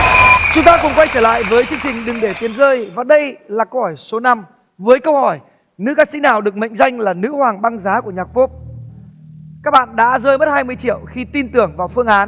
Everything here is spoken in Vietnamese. chúng ta cùng quay trở lại với chương trình đừng để tiền rơi và đây là câu hỏi số năm với câu hỏi nữ ca sĩ nào được mệnh danh là nữ hoàng băng giá của nhạc pốp các bạn đã rơi mất hai mươi triệu khi tin tưởng vào phương án